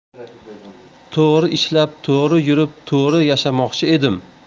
to'g'ri ishlab to'g'ri yurib to'g'ri yashamoqchi edim